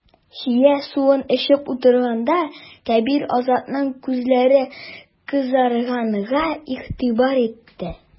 Чия суын эчеп утырганда, Кәбир Азатның күзләре кызарганга игътибар итте.